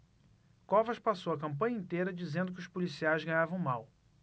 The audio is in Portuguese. covas passou a campanha inteira dizendo que os policiais ganhavam mal